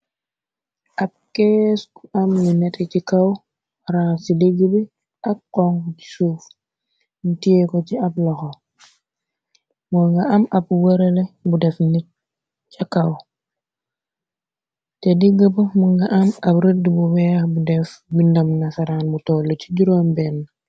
Ab kees ku am lu nete ci kaw raa ci digg bi ak kong ci suuf nitieko ci ab loxo moo nga am ab wërale bu def nit ca kaw te digga ba mo nga am ab rëdd bu weex bu def bindam nasaraan bu toll ci juróom benn.